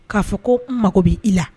K'a fɔ ko mago b' i la